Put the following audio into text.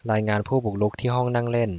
รายงานผู้บุกรุกที่ห้องนั่งเล่น